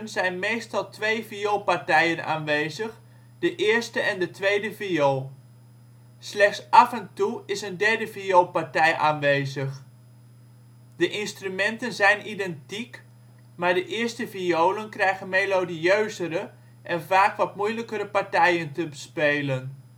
zijn meestal twee vioolpartijen aanwezig, de eerste en de tweede viool. Slechts af en toe is een derde vioolpartij aanwezig. De instrumenten zijn identiek, maar de eerste violen krijgen melodieuzere (en vaak wat moeilijkere) partijen te spelen